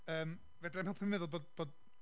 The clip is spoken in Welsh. Ymm fedra i'm helpu meddwl bod, bod...